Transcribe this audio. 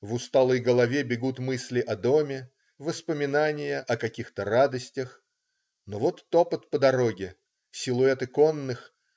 В усталой голове бегут мысли о доме, воспоминания о каких-то радостях. Но вот топот по дороге. Силуэты конных.